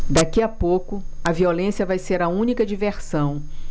daqui a pouco a violência vai ser a única diversão